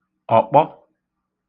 ọ̀kpọ